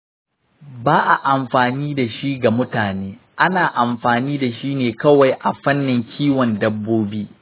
ba a amfani da shi ga mutane. ana amfani da shi ne kawai a fannin kiwon dabbobi.